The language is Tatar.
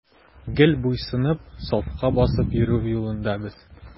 Гел буйсынып, сафка басып йөрү юлында без.